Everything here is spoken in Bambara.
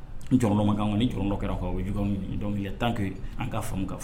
Jɔ makankan kan kɔni ni jɔlɔ kɛra' ye j dɔnkili tanke an ka faamuya ka fɔ